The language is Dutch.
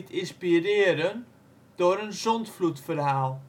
inspireren door een zondvloedverhaal